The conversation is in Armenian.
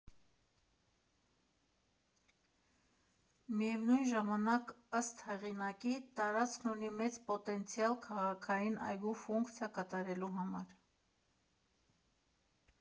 Միևնույն ժամանակ, ըստ հեղինակի, տարածքն ունի մեծ պոտենցիալ քաղաքային այգու ֆունկցիա կատարելու համար։